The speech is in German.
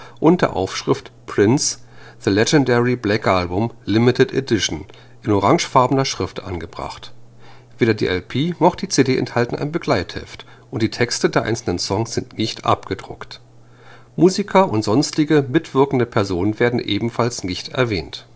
und der Aufschrift „ Prince – the legendary Black Album – limited Edition “in orangefarbener Schrift angebracht. Weder die LP noch die CD enthalten ein Begleitheft und die Texte der einzelnen Songs sind nicht abgedruckt. Musiker und sonstige mitwirkende Personen werden nicht erwähnt